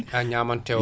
ka ñamantewon